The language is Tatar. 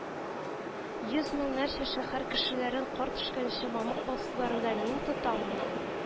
Йөз меңнәрчә шәһәр кешеләрен кар төшкәнче мамык басуларында мин тотаммы